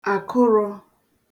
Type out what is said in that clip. àkụrụ̄